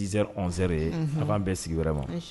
Z sre ye an b'an bɛɛ sigi wɛrɛ ma